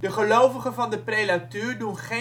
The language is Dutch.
gelovigen van de prelatuur doen geen